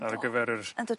ar gyfer yr... Yndw...